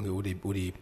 O de ye o de ye